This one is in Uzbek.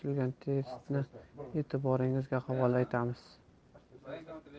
tuzilgan testni e'tiboringizga havola etamiz